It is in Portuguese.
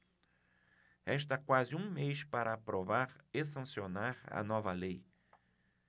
resta quase um mês para aprovar e sancionar a nova lei